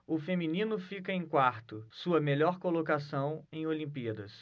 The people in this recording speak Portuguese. o feminino fica em quarto sua melhor colocação em olimpíadas